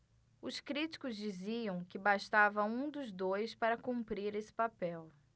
os críticos diziam que bastava um dos dois para cumprir esse papel